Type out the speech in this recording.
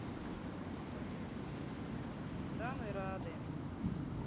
дамы рады